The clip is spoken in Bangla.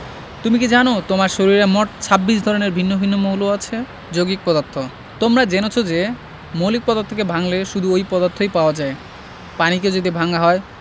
তুমি কি জানো তোমার শরীরে মোট ২৬ ধরনের ভিন্ন ভিন্ন মৌল আছে যৌগিক পদার্থ তোমরা জেনেছ যে মৌলিক পদার্থকে ভাঙলে শুধু ঐ পদার্থই পাওয়া যায় পানিকে যদি ভাঙা হয়